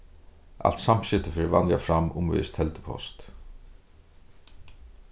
alt samskifti fer vanliga fram umvegis teldupost